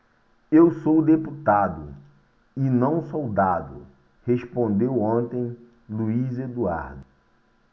eu sou deputado e não soldado respondeu ontem luís eduardo